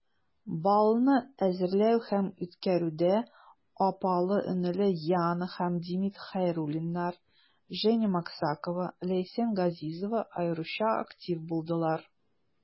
Балны әзерләү һәм үткәрүдә апалы-энеле Яна һәм Демид Хәйруллиннар, Женя Максакова, Ләйсән Газизова аеруча актив булдылар.